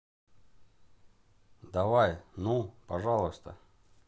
давай ну пожалуйста